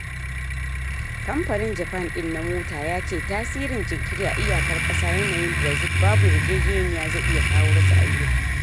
Kamfanin Japan din na mota yace tasirin jinkiri a iyakar ƙasa a yanayin Brexit babu yarjejeniyar zai iya kawo rasa ayyuka.